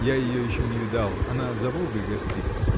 Я еще ее не видал, она за Волгой гостит.